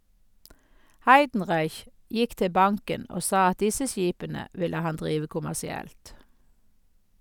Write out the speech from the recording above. Heidenreich gikk til banken og sa at disse skipene ville han drive kommersielt.